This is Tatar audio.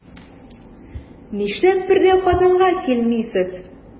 Нишләп бер дә Казанга килмисез?